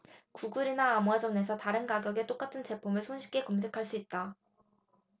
구글이나 아마존에서 다른 가격의 똑같은 제품을 손쉽게 검색할 수 있다